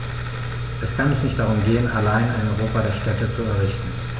Es kann uns nicht darum gehen, allein ein Europa der Städte zu errichten.